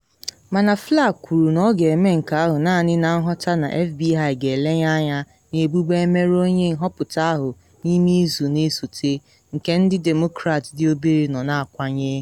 Mana Flake kwuru na ọ ga-eme nke ahụ naanị na nghọta na FBI ga-elenye anya na ebubo emere onye nhọpụta ahụ n’ime izu na esote, nke ndị Demokrats dị obere nọ na akwanye.